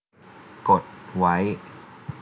กดไว้